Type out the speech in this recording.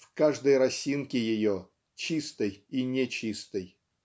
в каждой росинке ее, чистой и нечистой.